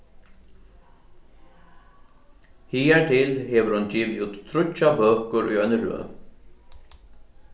higartil hevur hon givið út tríggjar bøkur í eini røð